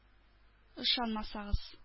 Ышанмасагыз